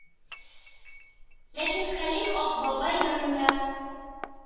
Ләкин Хәлим Ак бабай янында